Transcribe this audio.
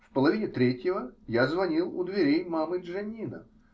В половине третьего я звонил у дверей мамы Джаннино.